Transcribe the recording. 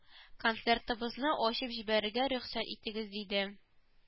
Концертыбызны ачып җибәрергә рөхсәт итегез диде